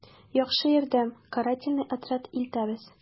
«яхшы ярдәм, карательный отряд илтәбез...»